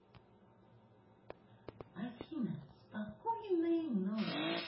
афина спокойной ночи